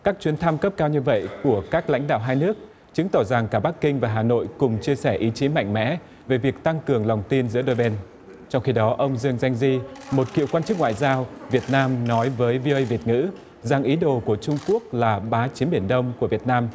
các chuyến thăm cấp cao như vậy của các lãnh đạo hai nước chứng tỏ rằng cả bắc kinh và hà nội cùng chia sẻ ý chí mạnh mẽ về việc tăng cường lòng tin giữa đôi bên trong khi đó ông dương danh di một cựu quan chức ngoại giao việt nam nói với vi âu ây việt ngữ rằng ý đồ của trung quốc là bá chiếm biển đông của việt nam